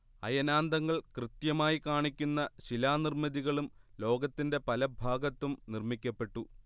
അയനാന്തങ്ങൾ കൃത്യമായി കാണിക്കുന്ന ശിലാനിർമ്മിതികളും ലോകത്തിന്റെ പലഭാഗത്തും നിർമ്മിക്കപ്പെട്ടു